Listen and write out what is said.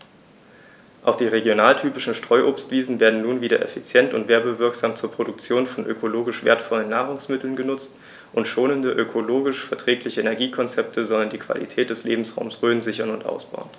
Auch die regionaltypischen Streuobstwiesen werden nun wieder effizient und werbewirksam zur Produktion von ökologisch wertvollen Nahrungsmitteln genutzt, und schonende, ökologisch verträgliche Energiekonzepte sollen die Qualität des Lebensraumes Rhön sichern und ausbauen.